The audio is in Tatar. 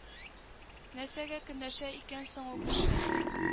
Нәрсәгә көнләшә икән соң ул кеше